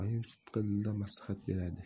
oyim sidqidildan maslahat beradi